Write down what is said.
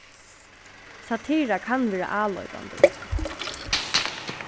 satira kann vera áloypandi